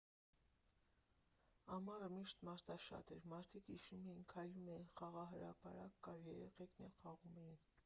Ամառը միշտ մարդաշատ էր, մարդիկ իջնում էին, քայլում էին, խաղահրապարակ կար, երեխեքն էլ խաղում էին։